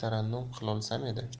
tarannum qilolsam edi